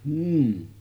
mm